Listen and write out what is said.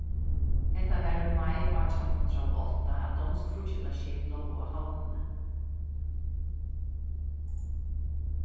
hetta var í mai átjan hundrað og átta at donsk fíggindaskip lógu á havnini